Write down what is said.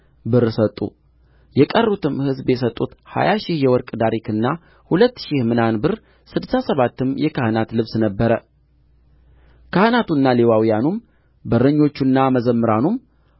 ብር ሰጡ የቀሩትም ሕዝብ የሰጡት ሀያ ሺህ የወርቅ ዳሪክና ሁለት ሺህ ምናን ብር ስድሳ ሰባትም የካህናት ልብስ ነበረ ካህናቱና ሌዋውያኑም በረኞቹና መዘምራኑም